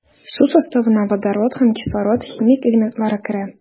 Су составына водород һәм кислород химик элементлары керә.